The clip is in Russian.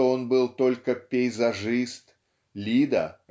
что он был только пейзажист Лида